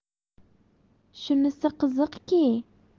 shunisi qiziqki